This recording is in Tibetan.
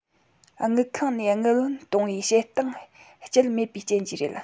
དངུལ ཁང ནས དངུལ བུན གཏོང བའི བྱེད སྟངས སྤྱད མེད པའི རྐྱེན གྱིས རེད